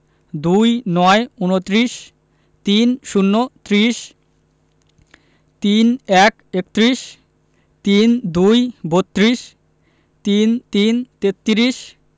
২৯ -ঊনত্রিশ ৩০ - ত্রিশ ৩১ - একত্রিশ ৩২ - বত্ৰিশ ৩৩ - তেত্রিশ